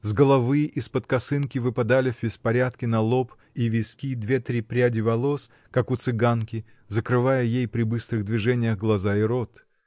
С головы, из-под косынки, выпадали в беспорядке на лоб и виски две-три пряди волос, как у цыганки, закрывая ей, при быстрых движениях, глаза и рот.